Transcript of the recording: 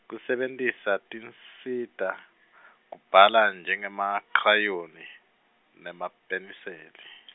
kusebentisa tinsita, kubhala njengemakhrayoni, nemapeniseli .